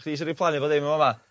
Chi sy 'di plannu bo' ddim yn fa' 'ma?